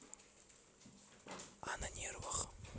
а на нервах